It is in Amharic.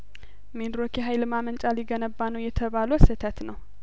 ሚድሮክ የሀይል ማመንጫ ሊገነባ ነው የተባለው ስህተት ነው